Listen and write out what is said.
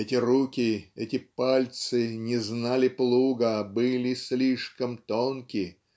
"Эти руки, эти пальцы не знали плуга, были слишком тонки",